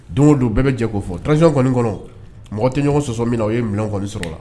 Don o don bɛɛ bɛ jɛ fɔ tasumasi kɔni kɔnɔ mɔgɔ tɛ ɲɔgɔn sɔsɔ min na o ye minɛn kɔni sɔrɔ la